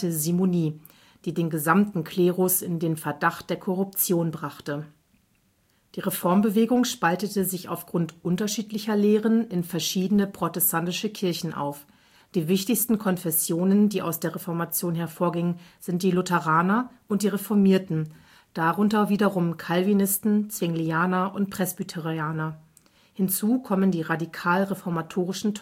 Simonie), die den gesamten Klerus in den Verdacht der Korruption brachte. Die Reformbewegung spaltete sich aufgrund unterschiedlicher Lehren in verschiedene protestantische Kirchen auf. Die wichtigsten Konfessionen, die aus der Reformation hervorgingen, sind die Lutheraner und die Reformierten (darunter Calvinisten, Zwinglianer und Presbyterianer). Hinzu kommen die radikal-reformatorischen